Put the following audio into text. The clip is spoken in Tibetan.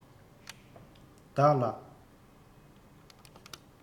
བདག ལ